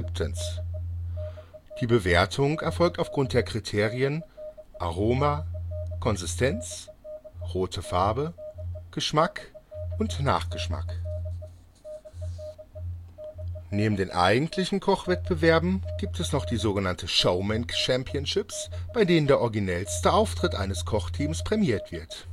Die Bewertung erfolgt aufgrund der Kriterien Aroma, Konsistenz, Rote Farbe, Geschmack und Nachgeschmack. Neben den eigentlichen Kochwettbewerben gibt es noch die sogenannten Showman Championships, bei denen der originellste Auftritt eines Kochteams prämiert wird